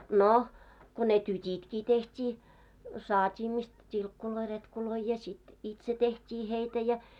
no kun ne tytitkin tehtiin saatiin mistä tilkkuja retkuja ja sitten itse tehtiin heitä ja